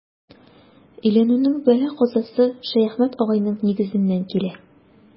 Өйләнүнең бәла-казасы Шәяхмәт агайның нигезеннән килә.